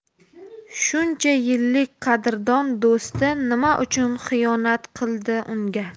shuncha yillik qadrdon do'sti nima uchun xiyonat qildi unga